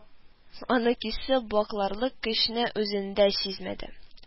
Аны кисеп вакларлык көчне үзендә сизмәде